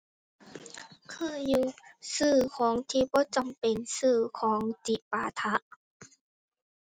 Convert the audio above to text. เคยอยู่ ซื้อของที่บ่จำเป็น ซื้อของจิปาถะ